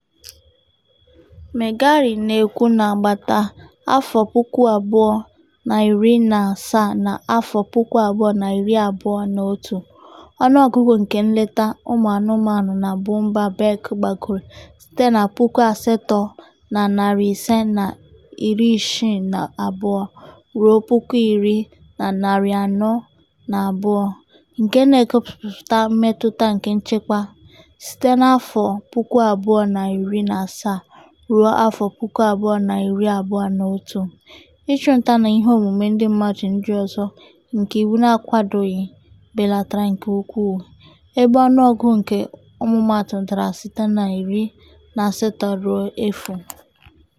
Meigari na-ekwu na n'agbata 2017 na 2021, ọnụọgụgụ nke nleta ụmụanụmanụ na Boumba Bek gbagoro site na 8,562 ruo 10,402, nke na-egosịpụta mmetụta nke nchekwa: "Site na 2017 ruo 2021, ịchụ nta na iheomume ndị mmadụ ndị ọzọ nke iwu n'akwadoghị belatara nke ukwuu, ebe ọnụọgụgụ nke ọmụmaatụ dara site na 18 ruo 0.